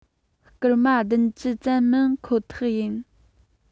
སྐར མ ༧༠ ཙམ མིན ཁོ ཐག ཡིན